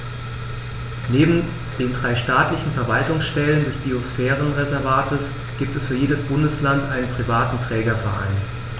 Neben den drei staatlichen Verwaltungsstellen des Biosphärenreservates gibt es für jedes Bundesland einen privaten Trägerverein.